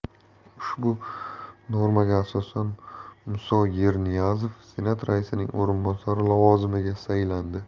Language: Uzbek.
ushbu normaga asosan musa yerniyazov senat raisining o'rinbosari lavozimiga saylandi